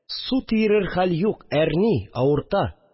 Су тиерер хәл юк, әрни (авырта)